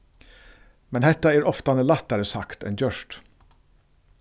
men hetta er oftani lættari sagt enn gjørt